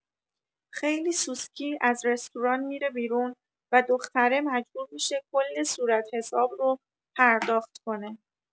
خیلی سوسکی از رستوران می‌ره بیرون و دختره مجبور می‌شه کل صورتحساب رو پرداخت کنه!